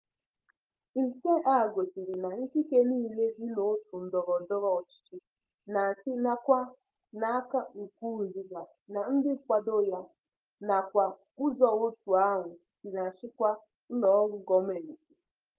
Nke a gosiri na ikike niile dị n'òtù ndọrọndọrọ ọchịchị na-achị nakwa n'aka Nkurunziza na ndị nkwado ya, nakwa ụzọ òtù ahụ sị achịkwa ụlọọrụ gọọmentị.